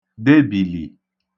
debìlì